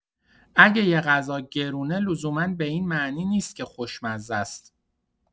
اگه یه غذا گرونه لزوما به این معنی نیست که خوشمزه‌ست.